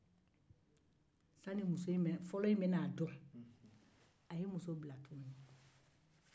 sani muso fɔlo in k'a dɔn a ye muso bila tuguni